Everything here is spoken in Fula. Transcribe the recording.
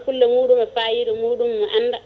fulla muɗum e fayida muɗum anda